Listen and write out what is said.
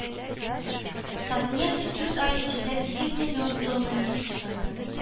“татнефть” дүрт ай эчендә сигез миллион тонна нефть чыгарган